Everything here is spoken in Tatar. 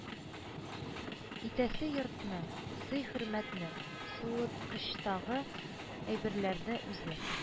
Итәсе йортны, сый-хөрмәтне, суыткычтагы әйберләрне үзе